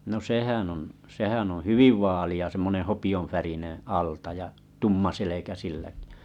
no sehän on sehän on hyvin vaalea semmoinen hopeanvärinen alta ja tumma selkä silläkin